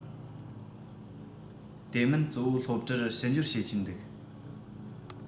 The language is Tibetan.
དེ མིན གཙོ བོ སློབ གྲྭར ཕྱི འབྱོར བྱེད ཀྱིན འདུག